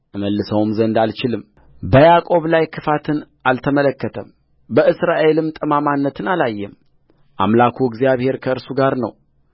እመልሰውም ዘንድ አልችልምበያዕቆብ ላይ ክፋትን አልተመለከተምበእስራኤልም ጠማምነትን አላየምአምላኩ እግዚአብሔር ከእርሱ ጋር ነው